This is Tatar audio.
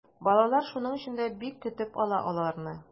Балалар шуның өчен дә бик көтеп ала аларны.